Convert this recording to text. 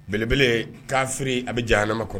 Belebele k'afi a bɛ jan ma kɔnɔ